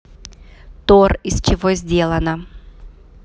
тор из чего сделано